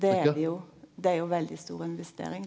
det er det jo det er jo veldig stor investering.